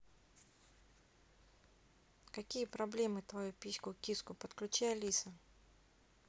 какие проблемы твою письку киску подключи алиса